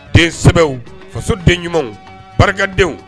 Den sɛbɛnw faso den ɲumanw barikadenw